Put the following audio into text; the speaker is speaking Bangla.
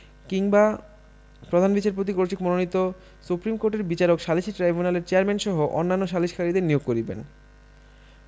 কিংবা প্রধান বিচারপতি কর্তৃক মনোনীত সুপ্রীম কোর্টের বিচারক সালিসী ট্রাইব্যুনালের চেয়ারম্যানসহ অন্যান্য সালিসকারীদের নিয়োগ করিবেন